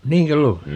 niinkö luulet